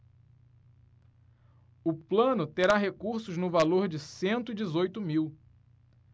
o plano terá recursos no valor de cento e dezoito mil